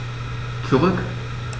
Zurück.